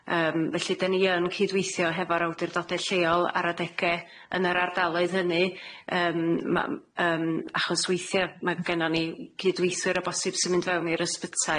Yym felly, 'dyn ni yn cydweithio hefo'r awdurdode lleol ar adege yn yr ardaloedd hynny. Yym ma- yym... Achos weithie ma' gennon ni cydweithwyr o bosib sy'n mynd fewn i'r ysbytai.